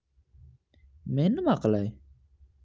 men nima qilay